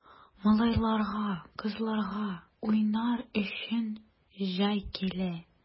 Малайларга, кызларга уйнар өчен җай килә!